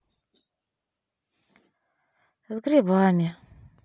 с грибами